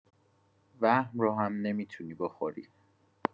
وهم رو هم نمی‌تونی بخوری.